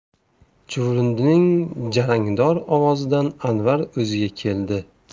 chuvrindining jarangdor ovozidan anvar o'ziga keldi